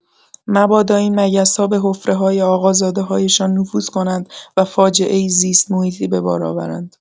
مبادا این مگس‌ها به حفره‌های آقازاده‌هایشان نفوذ کنند و فاجعه‌ای زیست‌محیطی به بار آورند.